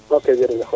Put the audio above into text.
waaw kay jerejef